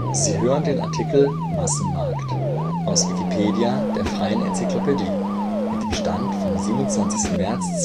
Sie hören den Artikel Massenmarkt, aus Wikipedia, der freien Enzyklopädie. Mit dem Stand vom Der